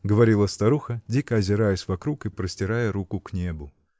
— говорила старуха, дико озираясь вокруг и простирая руку к небу.